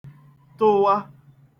tụwa